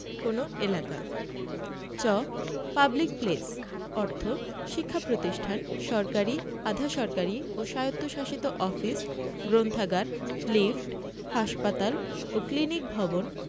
কোন এলাকা চ পাবলিক প্লেস অর্থ শিক্ষা প্রতিষ্ঠান সরকারী আধা সরকারী ও স্বায়ত্তশাসিত অফিস গ্রন্থাগার লিফট হাসপাতাল ও ক্লিনিক ভবন